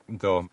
Yndw.